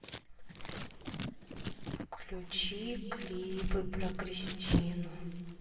включи клипы про кристину